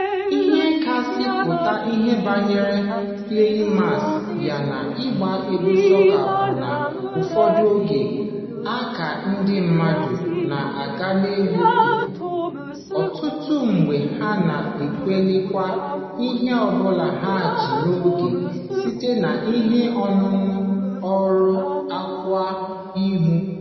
Ihe kasị pụta ihe banyere "playing mas" yana ịgba egwu sọka bụ na n'ụfọdụ oge, aka ndị mmadụ na-aga n'elu n'ikuku, ọtụtụ mgbe ha na-ewelikwa ihe ọ bụla ha ji n'oge a, site n'ihe ọṅụṅụ ruo ákwà ihu.